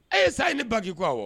E ye sa i ni baki qu wa